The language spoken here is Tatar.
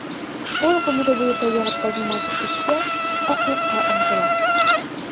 Ул гомере буе табигатьтәге матур төскә— аклыкка омтыла.